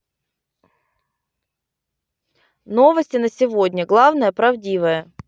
новости на сегодня главное правдивое